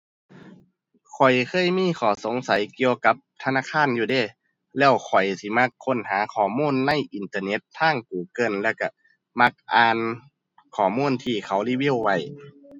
ข้อยเคยมีข้อสงสัยเกี่ยวกับธนาคารอยู่เดะ แล้วข้อยสิมักค้นหาข้อมูลในอินเทอร์เน็ตทาง Google แล้วก็มักอ่านข้อมูลที่เขารีวิวไว้